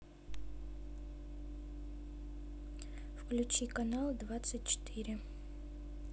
включи канал двадцать четыре